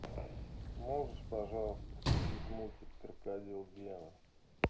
можешь пожалуйста включить мультик крокодил гена